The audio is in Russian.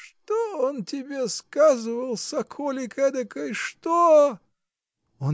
-- Что он тебе сказывал, соколик эдакой, что-о?